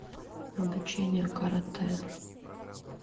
обучение каратэ